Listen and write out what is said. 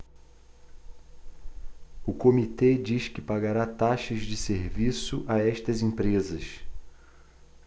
o comitê diz que pagará taxas de serviço a estas empresas